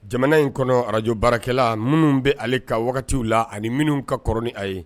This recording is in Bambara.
Jamana in kɔnɔ arajo baarakɛla minnu bɛ ale kan wagatiw la ani minnu kaɔrɔn a ye